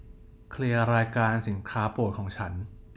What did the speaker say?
เคลียร์รายการสินค้าโปรดของฉัน